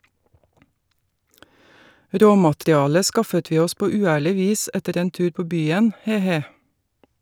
Råmaterialet skaffet vi oss på uærlig vis etter en tur på byen, he he.